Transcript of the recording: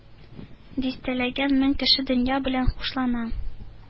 Дистәләгән мең кеше дөнья белән хушлаша.